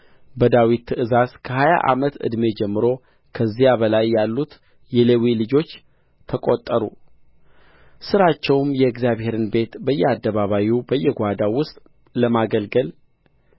በዳዊት ትእዛዝ ከሀያ ዓመት ዕድሜ ጀምሮ ከዚያም በላይ ያሉት የሌዊ ልጆች ተቈጠሩ ሥራቸውም የእግዚአብሔርን ቤት በየአደባባዩና በየጓዳው ውስጥ ለማገልገል